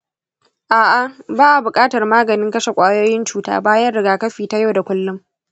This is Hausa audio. a'a, ba a buƙatar maganin kashe ƙwayoyin cuta bayan rigakafi ta yau da kullum.